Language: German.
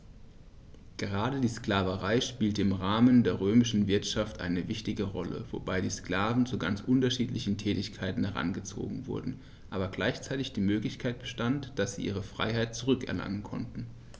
Gerade die Sklaverei spielte im Rahmen der römischen Wirtschaft eine wichtige Rolle, wobei die Sklaven zu ganz unterschiedlichen Tätigkeiten herangezogen wurden, aber gleichzeitig die Möglichkeit bestand, dass sie ihre Freiheit zurück erlangen konnten.